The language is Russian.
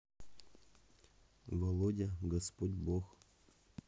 володя господь бог